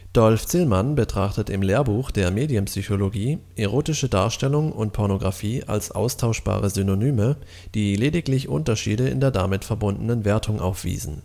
Dolf Zillmann betrachtet im Lehrbuch der Medienpsychologie erotische Darstellung und Pornografie als austauschbare Synonyme, die lediglich Unterschiede in der damit verbundenen Wertung aufwiesen